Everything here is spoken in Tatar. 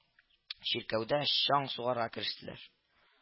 Чиркәүдә чаң сугарга керештеләр